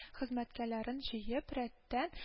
Хезмәткәләрен җыеп, рәттән